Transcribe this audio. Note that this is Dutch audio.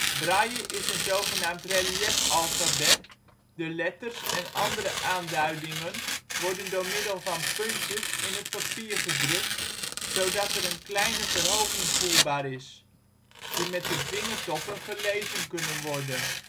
Braille is een zogenaamd reliëfalfabet; de letters en andere aanduidingen worden door middel van puntjes in het papier gedrukt, zodat er een kleine verhoging voelbaar is, die met de vingertoppen ' gelezen ' kunnen worden